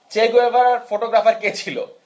চে গুয়েভারার ফটোগ্রাফার কে ছিল